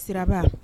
Sira